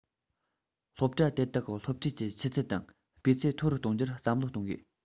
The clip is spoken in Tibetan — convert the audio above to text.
སློབ གྲྭ དེ དག གི སློབ ཁྲིད ཀྱི ཆུ ཚད དང སྤུས ཚད མཐོ རུ གཏོང རྒྱུར བསམ བློ གཏོང དགོས